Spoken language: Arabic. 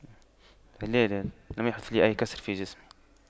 لا لا لم يحدث لي أي كسر في جسمي